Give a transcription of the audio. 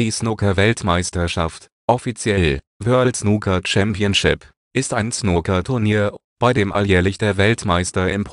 Snookerweltmeisterschaft (offiziell: World Snooker Championship) ist ein Snookerturnier, bei dem alljährlich der Weltmeister im